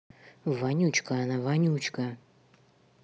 вонючка она вонючка